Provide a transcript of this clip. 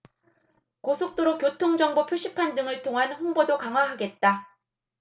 고속도로 교통정보 표시판 등을 통한 홍보도 강화하겠다